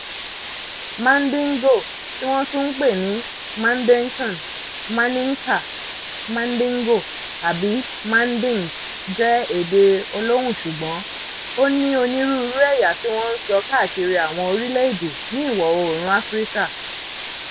Mandingo (tí wọ́n tún ń pè ní Mandenkan, Maninka, Mandingo, àbí Manding) jẹ́ èdè olóhùn ṣùgbọ́n ó ní onírúurú ẹ̀yà tí wọ́n ń sọ káàkiri àwọn orílẹ̀-èdè ní Ìwọ̀-oòrùn Áfíríkà.